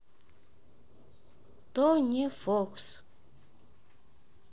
toni fox